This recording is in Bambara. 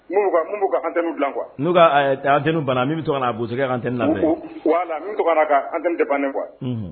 N'ko quoi mun bu ka antennes ŋlan quoi nun ka ɛɛ antenne bannan, min be to kanan bozo kɛ ka antenne labɛn, oo voilà min be to ka nan ka antenne dépanner quoi unhun